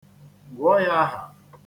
Gụọ ya aha.